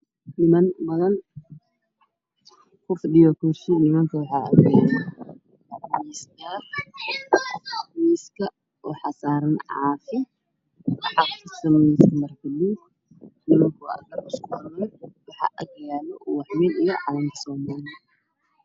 Niman badan oo kufadhiyaan kuraasman waxaa horyaala miis waxaa saaran caafi buluug ah waxaa agyaalo ubaxyo iyo calanka soomaaliya.